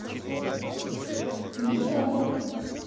ниче